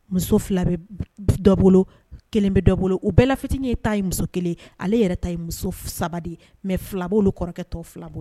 Muso 2 dɔ bolo 1 bɛ dɔ bolo u bɛɛ lafitinin ye ta ye muso1 ale yɛrɛ ta ye muso 3 mɛ 2 b'u kɔrɔkɛ tɔ 2